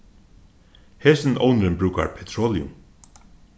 hesin ovnurin brúkar petrolium